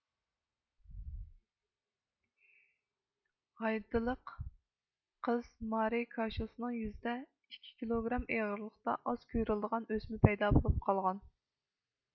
ھايتىلىق قىز مارى كاشۇسنىڭ يۈزىدە ئىككى كىلوگرام ئېغىرلىقتا ئاز كۆرۈلىدىغان ئۆسمە پەيدا بولۇپ قالغان